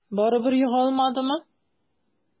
Барыбер ега алмадымы?